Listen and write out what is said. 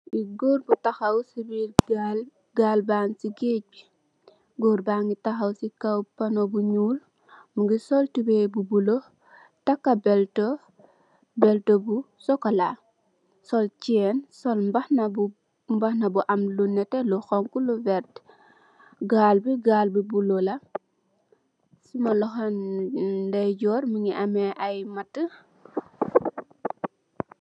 Bi gòor bu tahaw ci biir gaal, gaal bang ci gèej. Gòor ban ngi tahaw ci biir moto bu ñuul mungi sol tubeye bu bulo, takka belt, belt bu sokola, sol chenn sol mbahana. Mbahana bu am lu nètè, lu vert. Gaal bi gaal bu bulo lu la. Suma loho ndejor mungi ameh ay matt.